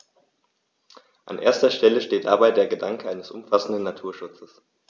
An erster Stelle steht dabei der Gedanke eines umfassenden Naturschutzes.